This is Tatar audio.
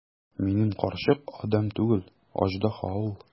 Минем карчык адәм түгел, аждаһа ул!